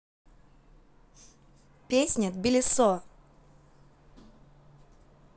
песня тбилисо